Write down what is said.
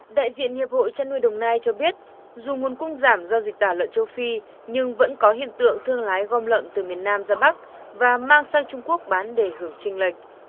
đại diện hiệp hội chăn nuôi đồng nai cho biết dù nguồn cung giảm do dịch tả lợn châu phi nhưng vẫn có hiện tượng thương lái gom lợn từ miền nam ra bắc và mang sang trung quốc bán để hưởng chênh lệch